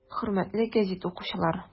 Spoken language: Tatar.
Хөрмәтле гәзит укучылар!